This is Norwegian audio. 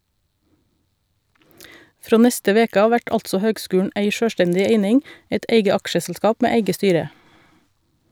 Frå neste veke av vert altså høgskulen ei sjølvstendig eining, eit eige aksjeselskap med eige styre.